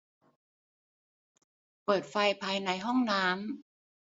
เปิดไฟภายในห้องน้ำ